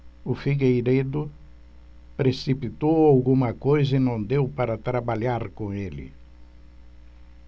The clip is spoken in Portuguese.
o figueiredo precipitou alguma coisa e não deu para trabalhar com ele